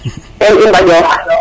ten i mbaƴora